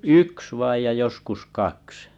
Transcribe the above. yksi vain ja joskus kaksi